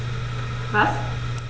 Was?